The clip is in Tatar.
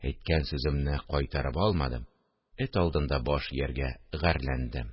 Әйткән сүземне кайтарып алмадым, эт алдында баш ияргә гарьләндем